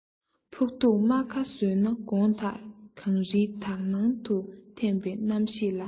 ཕོག ཐུག རྨ ཁ བཟོས ན དགོངས དག གངས རིའི དག སྣང དུ ཐིམ པའི རྣམ ཤེས ལ